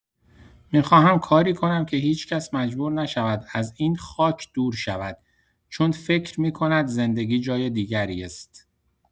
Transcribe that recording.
می‌خواهم کاری کنم که هیچ‌کس مجبور نشود از این خاک دور شود چون فکر می‌کند زندگی جای دیگری است.